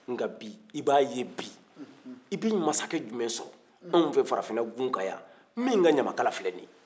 nka bi a b'a ye bi i bɛ mansakɛ jumɛn sɔrɔ anw fɛ farafinagunkan yan min ka ɲamakala filɛ nin ye